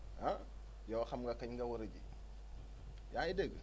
ah yow xam nga kañ nga war a ji yaa ngi dégg